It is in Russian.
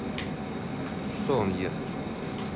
что он ест